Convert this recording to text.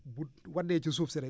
bu waddee ci suuf si rek